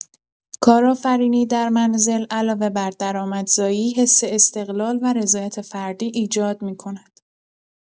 کارآفرینی در منزل علاوه بر درآمدزایی، حس استقلال و رضایت فردی ایجاد می‌کند.